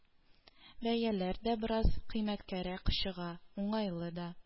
Бәяләр дә бераз кыйммәткәрәк чыга, уңайлы да